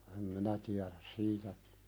en minä tiedä siitä